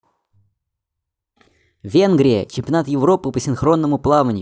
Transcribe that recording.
венгрия чемпионат европы по синхронному плаванию